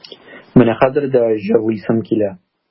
Менә хәзер дә җырлыйсым килә.